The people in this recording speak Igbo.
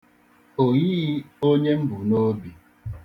O yighị onye m bu n'obi.